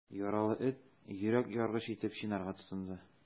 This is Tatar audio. Яралы эт йөрәк яргыч итеп чинарга тотынды.